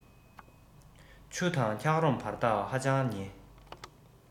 ཆུ དང འཁྱག རོམ བར ཐག ཧ ཅང ཉེ